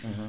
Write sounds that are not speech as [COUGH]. [HESITATION] [HESITATION]